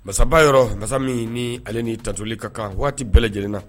Masaba yɔrɔ masa min ni ale ni tajli ka kan waati bɛɛ lajɛlenna